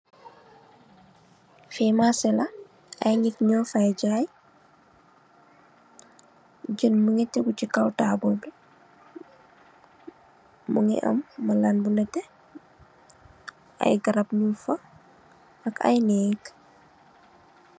Fii marceh la, aiiy nitt njur faii jaii, jeun mungy tehgu chi kaw taabul bii, mungy am malan bu nehteh, aiiy garab njung fa ak aiiy nehgg.